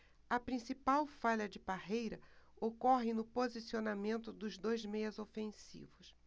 a principal falha de parreira ocorre no posicionamento dos dois meias ofensivos